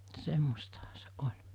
semmoistahan se oli